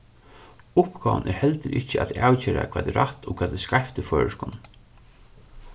uppgávan er heldur ikki at avgera hvat er rætt og hvat er skeivt í føroyskum